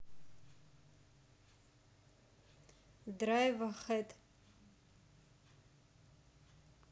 драйва хэд